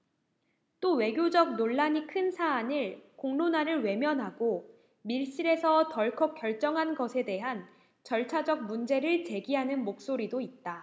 또 외교적 논란이 큰 사안을 공론화를 외면하고 밀실에서 덜컥 결정한 것에 대한 절차적 문제를 제기하는 목소리도 있다